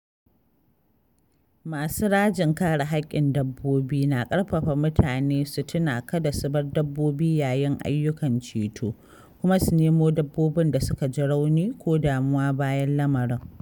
Masu rajin kare haƙƙin dabbobi na ƙarfafa mutane su tuna kada su bar dabbobi yayin ayyukan ceto, kuma su nemo dabbobin da suka ji rauni ko damuwa bayan lamarin.